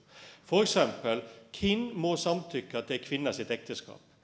for eksempel, kven må samtykka til ei kvinne sitt ekteskap?